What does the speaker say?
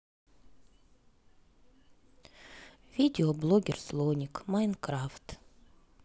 видеоблогер слоник майнкрафт